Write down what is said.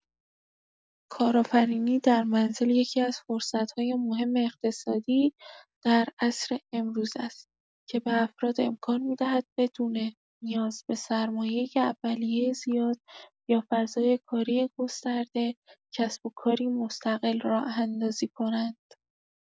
کارآفرینی در منزل یکی‌از فرصت‌های مهم اقتصادی در عصر امروز است که به افراد امکان می‌دهد بدون نیاز به سرمایه اولیه زیاد یا فضای کاری گسترده، کسب‌وکاری مستقل راه‌اندازی کنند.